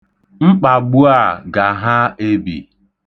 Mkpagbu a gaha ebi.